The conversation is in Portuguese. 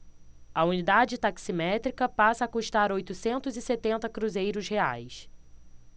a unidade taximétrica passa a custar oitocentos e setenta cruzeiros reais